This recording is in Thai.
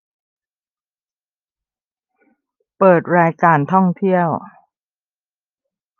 เปิดรายการท่องเที่ยว